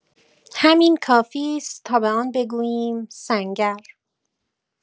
همین کافی است تا به آن بگوییم سنگر.